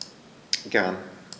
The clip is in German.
Gern.